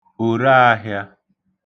òraāhị̄ā